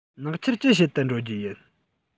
ནག ཆུར ཅི བྱེད དུ འགྲོ རྒྱུ ཡིན